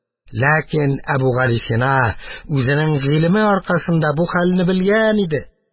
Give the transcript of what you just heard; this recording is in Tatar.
Ләкин Әбүгалисина үзенең гыйлеме аркасында бу хәлне белгән иде.